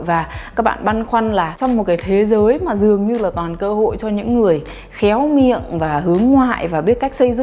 và các bạn băn khoăn là trong một cái thế giới mà dường như toàn cơ hội cho những người khéo miệng và hướng ngoại và biết cách xây dựng